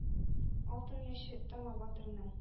Алтын яше тама батырның.